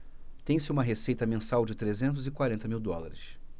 tem-se uma receita mensal de trezentos e quarenta mil dólares